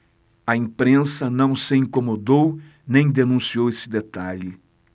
a imprensa não se incomodou nem denunciou esse detalhe